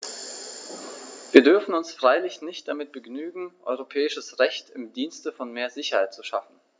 Wir dürfen uns freilich nicht damit begnügen, europäisches Recht im Dienste von mehr Sicherheit zu schaffen.